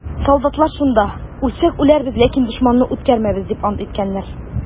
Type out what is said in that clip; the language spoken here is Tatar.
Солдатлар шунда: «Үлсәк үләрбез, ләкин дошманны үткәрмәбез!» - дип ант иткәннәр.